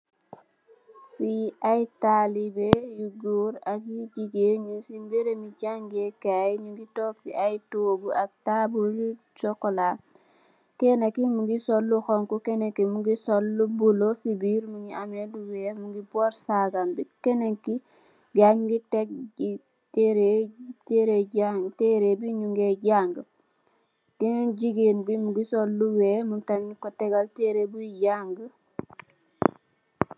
Li ai talibe yu jigen ak gorr nyungi tok ci barabu jange kai, tok ci ai togu ak tabul yu chocolate